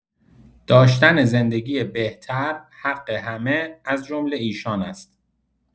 داشتن زندگی بهتر، حق همه، از جمله ایشان است.